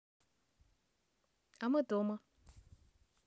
а мы дома